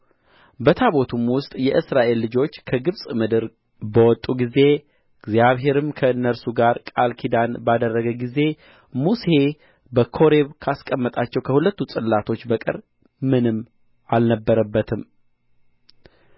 በታቦቱም ውስጥ የእስራኤል ልጆች ከግብጽ ምድር በወጡ ጊዜ እግዚአብሔርም ከእነርሱ ጋር ቃል ኪዳን ባደረገ ጊዜ ሙሴ በኮሬብ ካስቀመጣቸው ከሁለቱ ጽላቶች በቀር ምንም አልነበረበትም